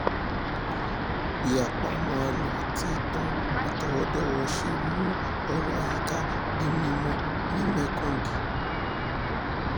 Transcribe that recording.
Bí àpamọ́ àlọ́ àti ìtàn àtọwọ́dọ́wọ́ ṣe mú ọ̀rọ̀ àyíká di mímọ̀ ní Mekong